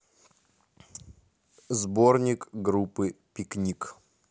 сборник группы пикник